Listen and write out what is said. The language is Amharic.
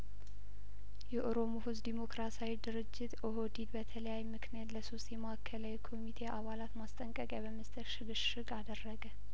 የኦሮሞ ህዝብ ዴሞክራሲያው ድርጅት ኦህዲ በተለያዩ ምክንያቶች ለሶስት የማእከላዊ ኮሚቴ አባላት ማስጠንቀቂያ በመስጠት ሽግሽግ አደረገ